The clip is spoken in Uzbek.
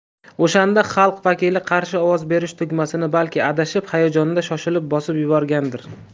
o'shanda xalq vakili qarshi ovoz berish tugmasini balki adashib hayajonda shoshilib bosib yuborgandir